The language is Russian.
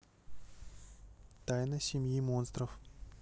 тайна семьи монстров